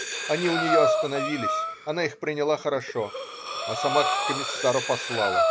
они у нее остановились - она их приняла хорошо, а сама к комиссару послала